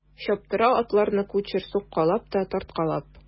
Чаптыра атларны кучер суккалап та тарткалап.